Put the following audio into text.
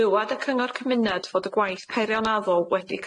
Dywad y cyngor cymuned fod y gwaith peirianaddol wedi